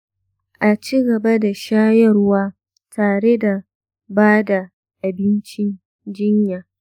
a ci gaba da shayarwa tare da ba da abincin jinya.